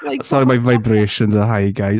Sorry, my vibrations are high, guys.